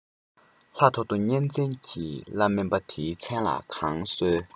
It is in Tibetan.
ལྷ ཐོ ཐོ གཉན བཙན གྱི བླ སྨན པ དེའི མཚན ལ གང གསོལ